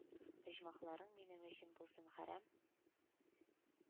«оҗмахларың минем өчен булсын хәрам;